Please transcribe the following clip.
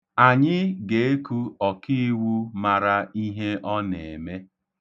Anyị ga-eku ọkiiwu mara ihe ọ na-eme.